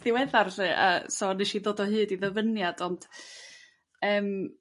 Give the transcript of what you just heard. ddiweddar 'lly yrr so nes i ddod o hyd i ddyfyniad ond yrm